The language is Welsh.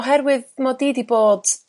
oherwydd mod i 'di bod